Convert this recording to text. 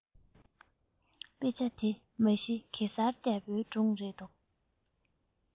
དཔེ ཆ དེ མ གཞི གེ སར རྒྱལ པོའི སྒྲུང རེད འདུག